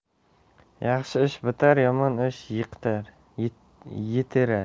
yaxshi ish bitirar yomon ish yitirar